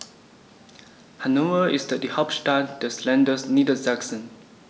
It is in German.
Hannover ist die Hauptstadt des Landes Niedersachsen.